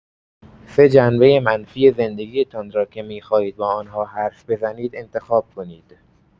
سه جنبه منفی زندگی‌تان را که می‌خواهید با آن‌ها حرف بزنید انتخاب کنید.